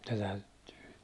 se täytyy